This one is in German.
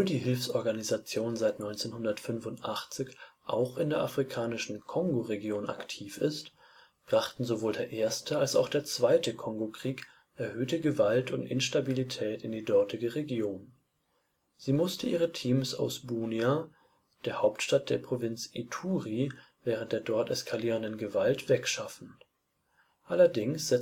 Hilfsorganisation seit 1985 auch in der afrikanischen Kongo-Region aktiv ist, brachten sowohl der erste als auch der Zweite Kongokrieg erhöhte Gewalt und Instabilität in die dortige Region. Sie musste ihre Teams aus Bunia, der Hauptstadt der Provinz Ituri, während der dort eskalierenden Gewalt wegschaffen. Allerdings